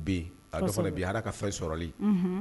A bi ha ka fa sɔrɔlen